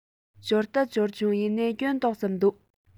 འབྱོར ད འབྱོར བྱུང ཡིན ནའི སྐྱོན ཏོག ཙམ འདུག